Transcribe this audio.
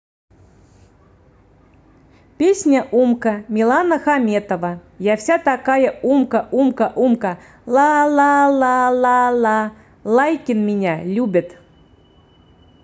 песня умка милана хаметова я вся такая умка умка умка ла ла ла ла ла лайкин меня любят